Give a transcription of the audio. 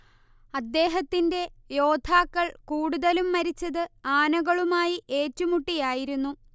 അദ്ദേഹത്തിന്റെ യോദ്ധാക്കൾ കൂടുതലും മരിച്ചത് ആനകളുമായി ഏറ്റുമുട്ടിയായിരുന്നു